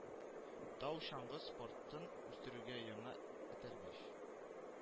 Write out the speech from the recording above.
Тау-чаңгы спортын үстерүгә яңа этәргеч